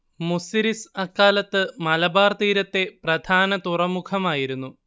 മുസിരിസ് അക്കാലത്ത് മലബാർ തീരത്തെ പ്രധാന തുറമുഖമായിരുന്നു